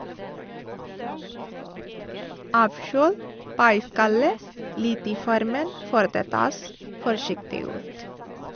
Avkjøl pai-skallet litt i formen før det tas forsiktig ut.